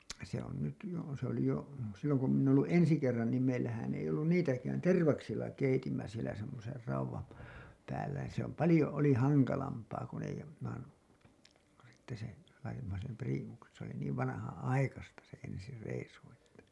se on nyt jo se oli jo silloin kun minä olen ollut ensi kerran niin meillähän ei ollut niitäkään tervaksilla keitimme siellä semmoisen raudan - päällä niin se on paljon oli hankalampaa kun ei - sitten se laitoimme sen priimuksen se oli niin vanhanaikaista se ensi reissu että